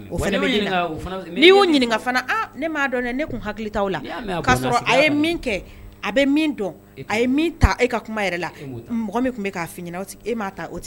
O n'i y'u ɲininkaka fana ne m'a dɔn ne ne tun hakili t' la'a sɔrɔ a ye min kɛ a bɛ min dɔn a ye min ta e ka kuma yɛrɛ la mɔgɔ min tun bɛ k'a finɛ tɛ e m'a ta o ten